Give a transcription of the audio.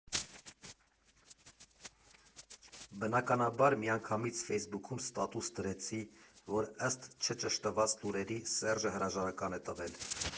Բնականաբար, միանգամից ֆեյսբուքում ստատուս դրեցի, որ ըստ չճշտված լուրերի, Սերժը հրաժարական է տվել։